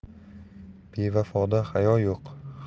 bevafoda hayo yo'q